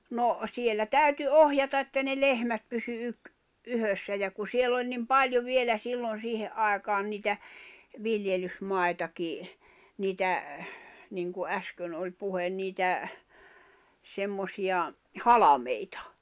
no siellä täytyi ohjata että ne lehmät pysyi - yhdessä ja kun siellä oli niin paljon vielä silloin siihen aikaan niitä viljelysmaitakin niitä niin kuin äsken oli puhe niitä semmoisia halmeita